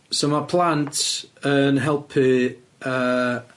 So ma' plant yn helpu yy